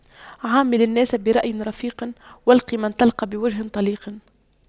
عامل الناس برأي رفيق والق من تلقى بوجه طليق